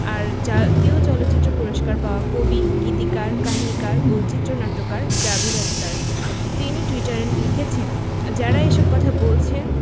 আর জাতীয় চলচ্চিত্র পুরস্কার পাওয়া কবি গীতিকার কাহিনিকার ও চিত্রনাট্যকার জাভেদ আখতার তিনি টুইটারে লিখেছেন যাঁরা এসব কথা বলছেন